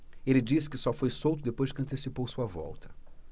ele disse que só foi solto depois que antecipou sua volta